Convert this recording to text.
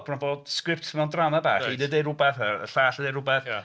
Bron a bod sgript mewn drama bach. Un yn dweud rywbeth a'r llall yn deud rywbeth.